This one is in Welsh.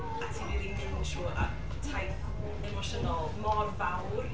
A ti'n rili mynd trwy yy taith emosiynol mor fawr.